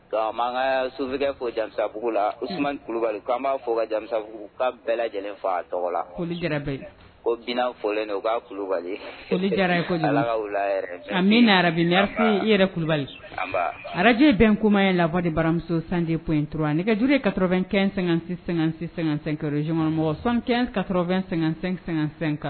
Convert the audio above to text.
Nka ka sokɛfɛgɛ fo janmisabugu la oman kulubali' b'a fɔ ka janmisabugu ka bɛɛ lajɛlenfa a tɔgɔ la ko binfɔlen' kulubali ko ka min na arabi i yɛrɛ kulubali araje bɛn kuma in labɔ de baramuso san de ptura ne kajurue kasɔrɔɛn--sɛ-sɛsɛro zoɔnmɔgɔ san kɛnɛnkasɔrɔ2--sɛ-sɛka